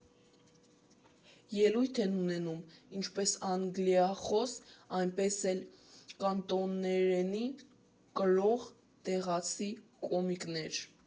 Ելույթ են ունենում ինչպես անգլիախոս, այնպես էլ կանտոներենի կրող տեղացի կոմիկներ։